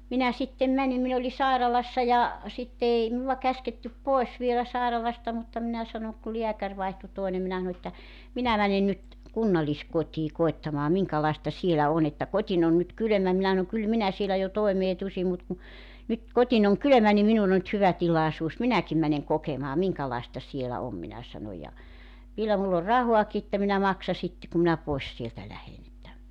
minä sitten menin minä olin sairaalassa ja sitten ei minua käsketty pois vielä sairaalasta mutta minä sanoin kun lääkäri vaihtui toinen minä sanoin että minä menen nyt kunnalliskotiin koettamaan minkälaista siellä on että kotini on nyt kylmä minä sanoin kyllä minä siellä jo toimeen tulisin mutta kun nyt kotini on kylmä niin minun on nyt hyvä tilaisuus minäkin menen kokemaan minkälaista siellä on minä sanoin ja vielä minulla on rahaakin että minä maksan sitten kun minä pois sieltä lähden että